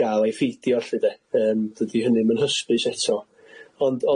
ga'l ai pheidio 'lly de, yym dydi hynny'm yn hysbys eto ond